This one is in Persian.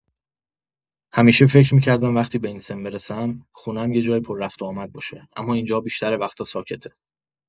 همیشه فکر می‌کردم وقتی به این سن برسم، خونه‌م یه جای پر رفت‌وآمد باشه، اما اینجا بیشتر وقتا ساکته.